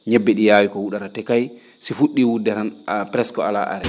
ñebbe ?i yaawi ko wu?ara te kay si fu??ii wudde ran a presque alaa arrét